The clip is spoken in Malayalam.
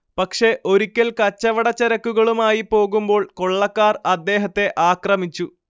പക്ഷെ ഒരിക്കൽ കച്ചവടച്ചരക്കുകളുമായി പോകുമ്പോൾ കൊള്ളക്കാർ അദ്ദേഹത്തെ ആക്രമിച്ചു